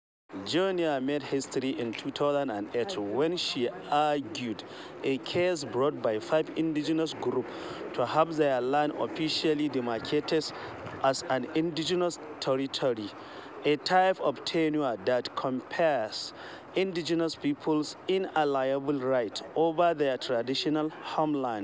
Joênia made history in 2008 when she argued a case brought by five indigenous groups to have their land officially demarcated as an Indigenous Territory, a type of tenure that confers indigenous peoples inalienable rights over their traditional homelands.